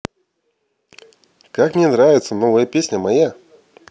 как мне нравится новая песня моя